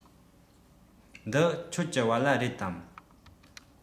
འདི ཁྱོད ཀྱི བལ ལྭ རེད དམ